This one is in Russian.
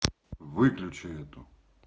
выключи эту